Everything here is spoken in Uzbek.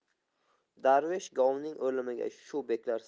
darvesh govning o'limiga shu beklar